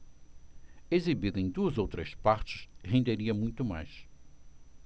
exibida em duas ou três partes renderia muito mais